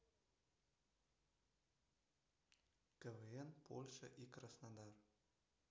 квн польша и краснодар